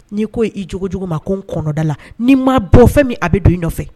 N'i ko' cogo cogo ma ko kɔnɔda la n'i ma bɔ fɛn min a bɛ don i nɔfɛ